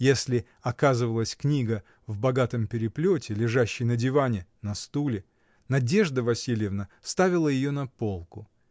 Если оказывалась книга в богатом переплете лежащею на диване, на стуле, — Надежда Васильевна ставила ее на полку